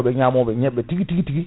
koɓe ñamoɓe ñebbe tigui tigui tigui